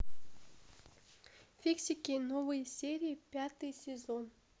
фиксики новые серии пятый сезон